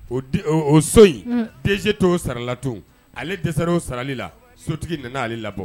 O o so in dese to saralat ale dɛsɛrar o sarali la sotigi nana labɔ